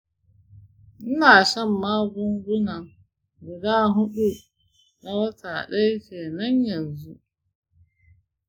ina shan magungunan guda huɗu na wata ɗaya kenan yanzu.